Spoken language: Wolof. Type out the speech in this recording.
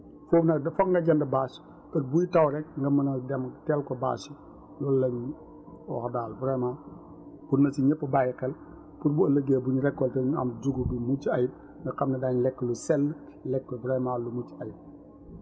foofu nag de foog nga jënd bâche heure :frabuy taw rekk nga mën a dem teel ko bâche loolu la ñuy wax daal vraiment kon na si ñëpp bàyyi xel pour bu ëllëgee bu ñu récolter ñu am dugub ju mucc ayib nga xam ne daañu lekk lu sell lekk vraiment lu mucc ayib